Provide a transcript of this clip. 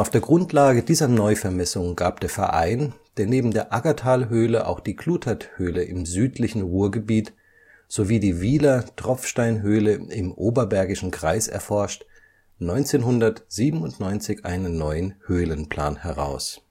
der Grundlage dieser Neuvermessung gab der Verein, der neben der Aggertalhöhle auch die Kluterthöhle im südlichen Ruhrgebiet sowie die Wiehler Tropfsteinhöhle im Oberbergischen Kreis erforscht, 1997 einen neuen Höhlenplan heraus